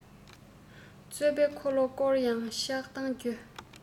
རྩོད པའི འཁོར ལོ སྐོར ཡང ཆགས སྡང རྒྱུ